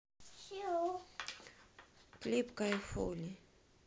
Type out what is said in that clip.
клип кайфули